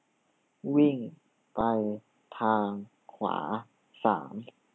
วิ่งไปทางขวาสาม